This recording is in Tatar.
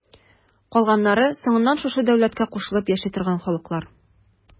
Калганнары соңыннан шушы дәүләткә кушылып яши торган халыклар.